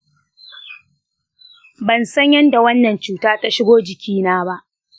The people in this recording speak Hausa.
ban san yadda wannan cuta ta shiga jikina ba